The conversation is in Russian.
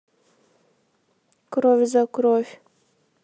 кровь за кровь